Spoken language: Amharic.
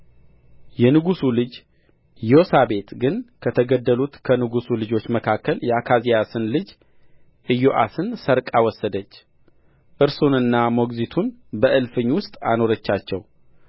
የንጉሡ ልጅ ዮሳቤት ግን ከተገደሉት ከንጉሡ ልጆች መካከል የአካዝያስን ልጅ ኢዮአስን ሰርቃ ወሰደች እርሱንና ሞግዚቱን በእልፍኝ ውስጥ አኖረቻቸው